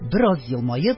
Бераз елмаеп,